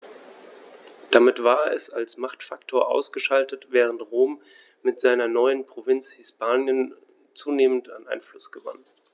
Damit war es als Machtfaktor ausgeschaltet, während Rom mit seiner neuen Provinz Hispanien zunehmend an Einfluss gewann.